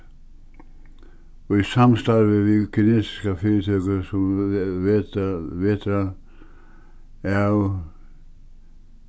í samstarvi við kinesiska fyritøkur av